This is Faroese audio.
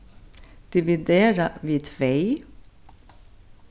dividera við tvey